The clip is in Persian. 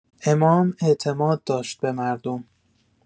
امام اعتماد داشت به مردم.